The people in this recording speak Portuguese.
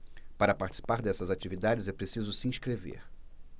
para participar dessas atividades é preciso se inscrever